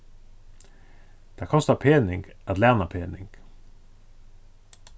tað kostar pening at læna pening